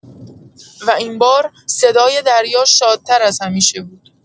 و این بار، صدای دریا شادتر از همیشه بود.